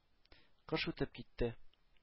Кыш үтеп китте.